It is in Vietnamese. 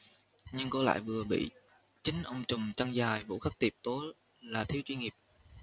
nhưng cô lại vừa bị chính ông trùm chân dài vũ khắc tiệp tố là thiếu chuyên nghiệp